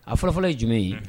A fɔlɔfɔlɔ ye jumɛn ye